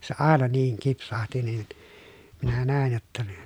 se aina niin kipsahti niin minä näin jotta ne